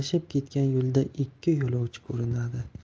ketgan yo'lda ikki yo'lovchi ko'rinadi